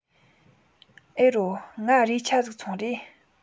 ཨེ རོ ངའ རས ཁྱ ཟིག ཚོང རེས